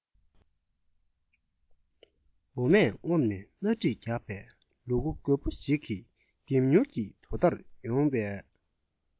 འོ མས ངོམས ནས སྣ སྦྲིད རྒྱག པའི ལུ གུ རྒོད པོ ཞིག གི ལྡེམ མྱུར གྱི དོ ཟླར ཡོང པས